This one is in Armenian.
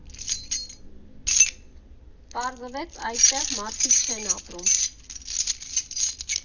Պարզվեց՝ այդտեղ մարդիկ չեն ապրում։